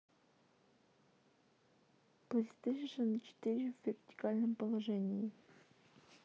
playstation четыре в вертикальном положении